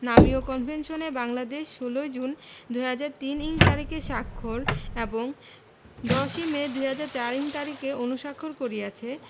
নামীয় কনভেনশনে বাংলাদেশ ১৬ জুন ২০০৩ইং তারিখে স্বাক্ষর এবং ১০ মে ২০০৪ইং তারিখে অনুস্বাক্ষর করিয়াছে